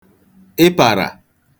ịpàrà